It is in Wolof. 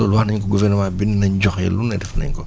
loolu wax nañ ko gouvernement bi bind nañ joxe lu ne def nañ ko